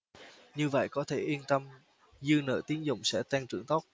như vậy có thể yên tâm dư nợ tín dụng sẽ tăng trưởng tốt